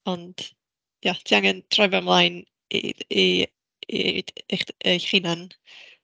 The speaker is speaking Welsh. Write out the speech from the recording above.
Ond ia, ti angen troi fo 'mlaen i i i d- i'ch eich hunain.